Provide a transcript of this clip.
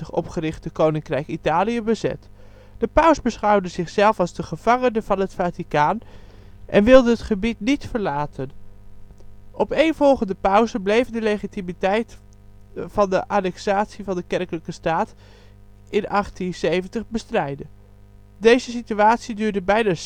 opgerichte koninkrijk Italië bezet. De paus beschouwde zichzelf als de gevangene van het Vaticaan en wilde het gebied niet verlaten. Opeenvolgende pausen bleven de legitimiteit van de annexatie van de Kerkelijke Staat in 1870 bestrijden. Deze situatie duurde bijna